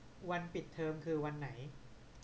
วันปิดเทอมคือวันไหน